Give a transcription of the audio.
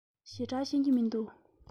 ཞེ དྲགས ཤེས ཀྱི མི འདུག